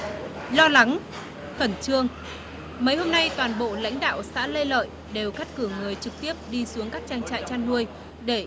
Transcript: lo lắng khẩn trương mấy hôm nay toàn bộ lãnh đạo xã lê lợi đều cắt cử người trực tiếp đi xuống các trang trại chăn nuôi để